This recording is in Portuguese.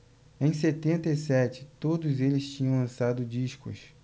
em setenta e sete todos eles tinham lançado discos